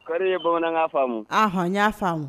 Kari ye bamanankan faamu a hɔn y'a faamu